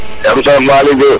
jem soom Waly Diouf